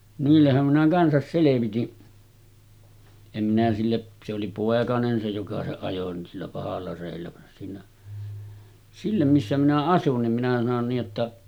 niillehän minä kanssa selvitin en minä sille se oli poikanen se joka se ajoi niin sillä pahalla reellä vaan siinä sillä missä minä asuin niin minä sanoin niin että